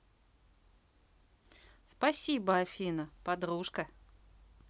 спасибо афина подружка